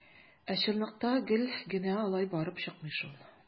Ә чынлыкта гел генә алай барып чыкмый шул.